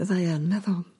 Fyddai yn meddwl